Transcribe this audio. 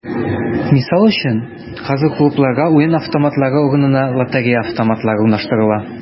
Мисал өчен, хәзер клубларга уен автоматлары урынына “лотерея автоматлары” урнаштырыла.